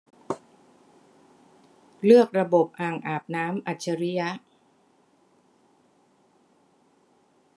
เลือกระบบอ่างอาบน้ำอัจฉริยะ